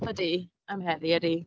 Ydi, am heddi, ydi.